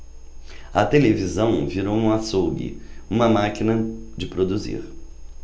a televisão virou um açougue uma máquina de produzir